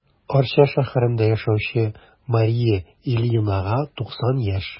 Арча шәһәрендә яшәүче Мария Ильинага 90 яшь.